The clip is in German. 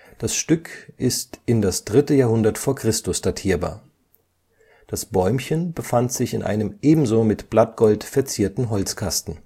Das Stück ist in das 3. Jahrhundert v. Chr. datierbar. Das Bäumchen befand sich in einem ebenso mit Blattgold verzierten Holzkasten